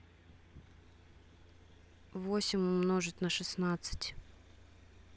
восемь умножить на шестнадцать